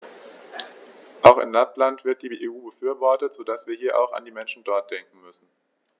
Auch in Lappland wird die EU befürwortet, so dass wir hier auch an die Menschen dort denken müssen.